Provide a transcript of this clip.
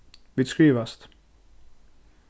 vit skrivast